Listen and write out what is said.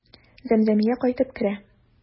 Зәмзәмия кайтып керә.